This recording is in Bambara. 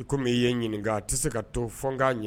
I komi i n ye ɲininka a tɛ se ka to fo n k'a ɲɛ